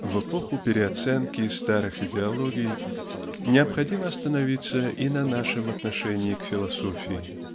в эпоху переоценки старых идеологий необходимо остановиться и на нашем отношении к философии.